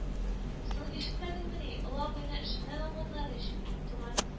— соң, ишетмәдеңмени, олы абыйны эшеннән алганнар ич, — дип, туган